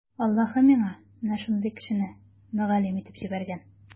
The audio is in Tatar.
Аллаһы миңа менә шундый кешене мөгаллим итеп җибәргән.